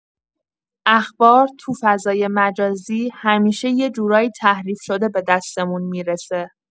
اخبار تو فضای مجازی همیشه یه جورایی تحریف‌شده به دستمون می‌رسه.